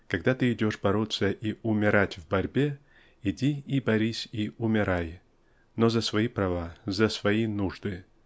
когда ты идешь бороться и умирать в борьбе иди и борись и умирай но за свои права за свои нужды".